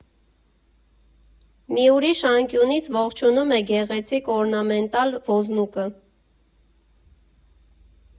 Մի ուրիշ անկյունից ողջունում է գեղեցիկ օրնամենտալ ոզնուկը։